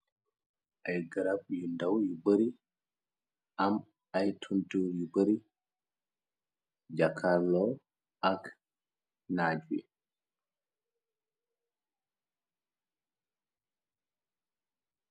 Ay garab yu ndaw yu bari am ay tontur yu bari jàkkallo ak naaj wi.